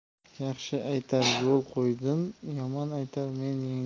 yaxshi aytar yo'l qo'ydim yomon aytar men yengdim